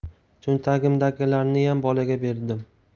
cho'ntagimdagilarniyam bolaga berdim